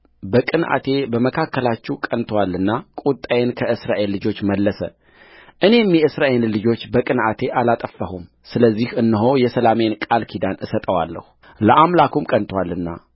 በቅንዓቴ በመካከላቸው ቀንቶአልና ቍጣዬን ከእስራኤል ልጆች መለሰ እኔም የእስራኤልን ልጆች በቅንዓቴ አላጠፋሁምስለዚህ እነሆ የሰላሜን ቃል ኪዳን እሰጠዋለሁለአምላኩም ቀንቶአልና